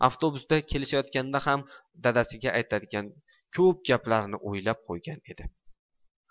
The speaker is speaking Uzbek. avtobusda kelishayotganida ham dadasiga aytadigan ko'p gaplarni o'ylab qo'ygan edi